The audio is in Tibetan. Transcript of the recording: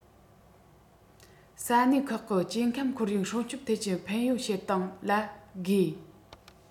ས གནས ཁག གི སྐྱེ ཁམས ཁོར ཡུག སྲུང སྐྱོང ཐད ཀྱི ཕན ཡོད བྱེད སྟངས ལ དགོས